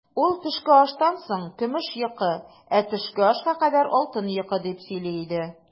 Ул, төшке аштан соң көмеш йокы, ә төшке ашка кадәр алтын йокы, дип сөйли иде.